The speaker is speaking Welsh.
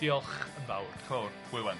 Diolch yn fawr. Dio'ch y' fawr. Hwyl 'wan.